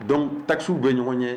Donc taxes bɛ ɲɔgɔn ɲɛn.